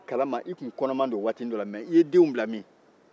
an b'a kalama e tun kɔnɔman don waatinin dɔ la i ye denw bila min